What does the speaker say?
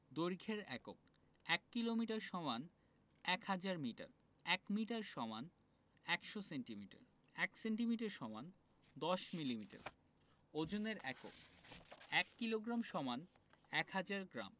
দৈর্ঘ্যের একক ১ kilometre = ১০০০ metre ১ metre = ১০০ centimetre ১ centimetre = ১০ millimetre ওজনের একক ১ কিলোগ্রাম = ১০০০ গ্রাম